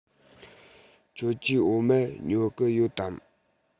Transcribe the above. ཁྱོད ཀྱིས འོ མ ཉོ གི ཡོད དམ